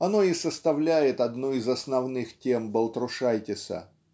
оно и составляет одну из основных тем Балтрушайтиса.